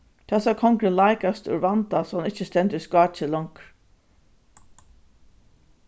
tá skal kongurin leikast úr vanda so hann ikki stendur í skáki longur